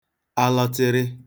alọtịrị